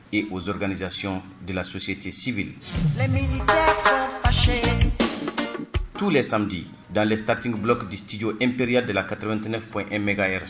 Et aux organisations de la société civile, tous les samedi dans les starting bloc du studio impériale de la 89.1 MHz